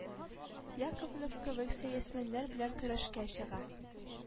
Яковлев кебек сәясмәннәр белән көрәшкә чыга